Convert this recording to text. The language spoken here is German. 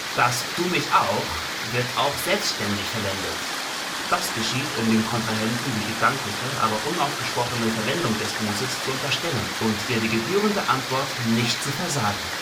Das „ Du mich auch! “wird auch selbstständig verwendet, um dem Kontrahenten die gedankliche, aber unausgesprochene Verwendung des Grußes zu unterstellen – und ihr die gebührende Antwort nicht zu versagen